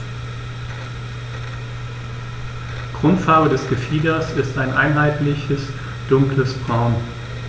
Grundfarbe des Gefieders ist ein einheitliches dunkles Braun.